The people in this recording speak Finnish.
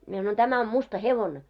minä sanoin tämä on musta hevonen